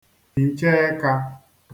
hị̀cha ẹ̄kā